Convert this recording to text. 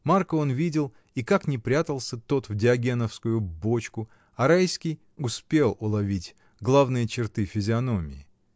Марка он видел, и как ни прятался тот в диогеновскую бочку, а Райский успел уловить главные черты физиономии.